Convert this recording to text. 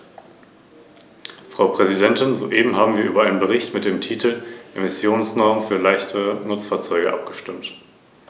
Drittens möchte ich anmerken, dass wir mit den Leitlinien im großen und ganzen einverstanden sind, soweit sie nicht von unseren Bemerkungen abweichen.